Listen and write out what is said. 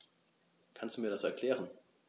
Kannst du mir das erklären?